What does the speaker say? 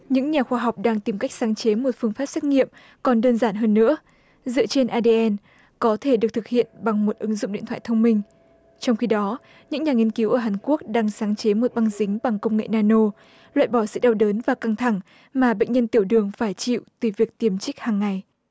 những nhà khoa học đang tìm cách sáng chế một phương pháp xét nghiệm còn đơn giản hơn nữa dựa trên a đê en có thể được thực hiện bằng một ứng dụng điện thoại thông minh trong khi đó những nhà nghiên cứu ở hàn quốc đang sáng chế một băng dính bằng công nghệ na nô loại bỏ sự đau đớn và căng thẳng mà bệnh nhân tiểu đường phải chịu từ việc tiêm chích hằng ngày